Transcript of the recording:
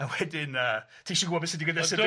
A wedyn yy ti sio gwbod be' sy digwydd nesa, dwyt?